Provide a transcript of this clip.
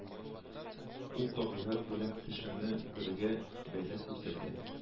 Ул табигать белән кешене бергә бәйләп күрсәтә